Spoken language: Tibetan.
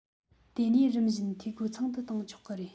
དེ ནས རིམ བཞིན འཐུས སྒོ ཚང དུ བཏང ཆོག གི རེད